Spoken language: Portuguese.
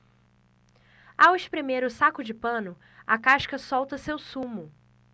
ao espremer o saco de pano a casca solta seu sumo